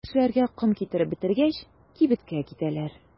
Кирәк кешеләргә ком китереп бетергәч, кибеткә китәләр.